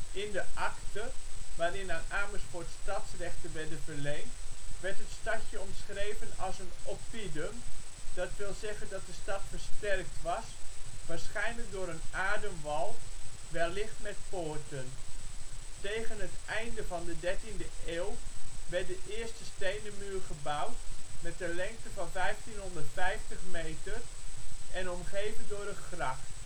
In de acte, waarin aan Amersfoort stadsrechten werd verleend werd het stadje omschreven als een " oppidum ", dat wil zeggen dat de stad versterkt was, waarschijnlijk door een aarden wal, wellicht met poorten. Tegen het einde van de dertiende eeuw werd de eerste stenen muur gebouwd, met een lengte van 1550 meter, en omgeven door een gracht